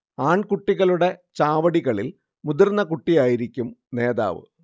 ആൺകുട്ടികളുടെ ചാവടികളിൽ മുതിർന്ന കുട്ടിയായിരിക്കും നേതാവ്